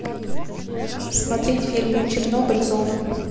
смотреть фильм чернобыль зона